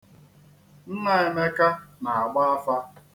Nna Emeka na-agba afa.